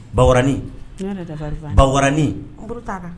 Bawain bawain